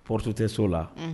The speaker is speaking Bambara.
Porotu tɛ so la